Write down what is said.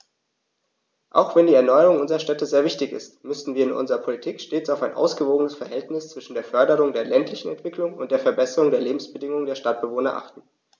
Auch wenn die Erneuerung unserer Städte sehr wichtig ist, müssen wir in unserer Politik stets auf ein ausgewogenes Verhältnis zwischen der Förderung der ländlichen Entwicklung und der Verbesserung der Lebensbedingungen der Stadtbewohner achten.